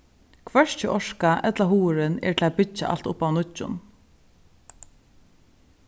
hvørki orka ella hugurin er til at byggja alt upp av nýggjum